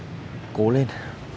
cố lên